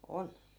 on